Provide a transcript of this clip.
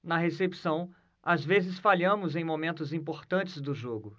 na recepção às vezes falhamos em momentos importantes do jogo